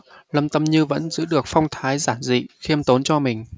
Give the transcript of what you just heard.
lâm tâm như vẫn giữ được phong thái giản dị khiêm tốn cho mình